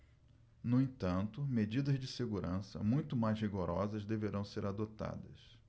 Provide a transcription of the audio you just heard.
no entanto medidas de segurança muito mais rigorosas deverão ser adotadas